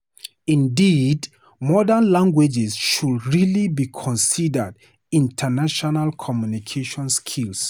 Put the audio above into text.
Indeed, modern languages should really be considered "international communication skills."